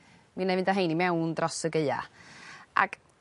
mi wnâi fynd â rhein i mewn dros y Gaea. Ag